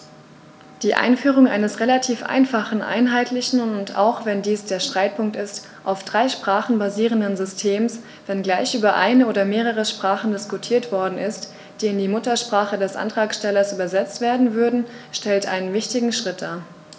Die Einführung eines relativ einfachen, einheitlichen und - auch wenn dies der Streitpunkt ist - auf drei Sprachen basierenden Systems, wenngleich über eine oder mehrere Sprachen diskutiert worden ist, die in die Muttersprache des Antragstellers übersetzt werden würden, stellt einen wichtigen Schritt dar.